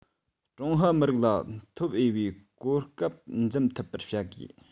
ཀྲུང ཧྭ མི རིགས ལ འཐོབ འོས པའི གོ བབ འཛིན ཐུབ པར བྱ དགོས